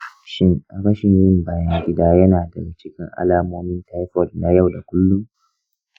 shin rashin yin bayan gida yana daga cikin alamomin taifoid na yau da kullum?